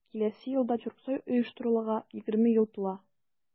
Киләсе елда Тюрксой оештырылуга 20 ел тула.